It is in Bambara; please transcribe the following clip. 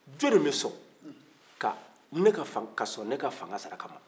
jɔnni bɛ son ka son ne ka fanga sarakama